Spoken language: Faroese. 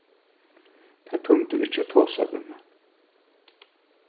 teir tímdu ikki at tosa við meg